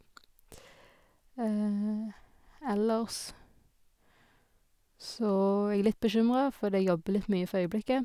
Ellers så er jeg litt bekymra, fordi jeg jobber litt mye for øyeblikket.